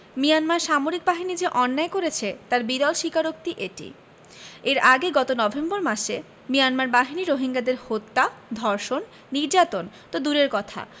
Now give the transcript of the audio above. Myanmar সামরিক বাহিনী যে অন্যায় করেছে তার বিরল স্বীকারোক্তি এটি এর আগে গত নভেম্বর মাসে মিয়ানমার বাহিনী রোহিঙ্গাদের হত্যা ধর্ষণ নির্যাতন তো দূরের কথা